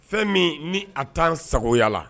Fɛn min ni a t'an sagoya la